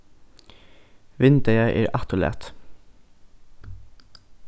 vindeygað er afturlatið